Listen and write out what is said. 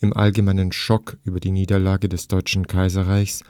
im allgemeinen Schock über die Niederlage des deutschen Kaiserreichs